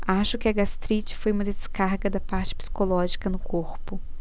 acho que a gastrite foi uma descarga da parte psicológica no corpo